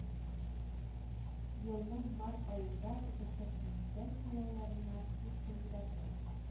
Елның март аенда үтәчәк президент сайлауларына үз кандидаты